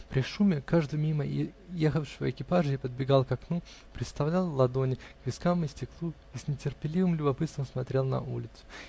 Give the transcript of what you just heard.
При шуме каждого мимо ехавшего экипажа я подбегал к окну, приставлял ладони к вискам и стеклу и с нетерпеливым любопытством смотрел на улицу.